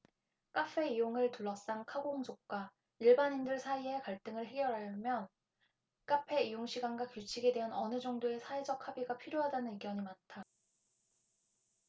카페 이용을 둘러싼 카공족과 일반인들 사이의 갈등을 해결하려면 카페 이용시간과 규칙에 대한 어느 정도의 사회적 합의가 필요하다는 의견이 많다